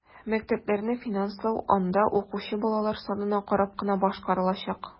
Мәктәпләрне финанслау анда укучы балалар санына карап кына башкарылачак.